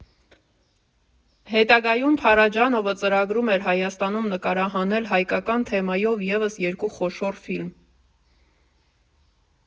Հետագայում Փարաջանովը ծրագրում էր Հայաստանում նկարահանել հայկական թեմայով ևս երկու խոշոր ֆիլմ.